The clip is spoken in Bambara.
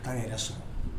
A taa yɛrɛ sɔrɔ